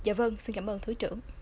dạ vâng xin cảm ơn thứ trưởng